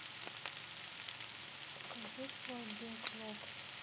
покажи свой бек лог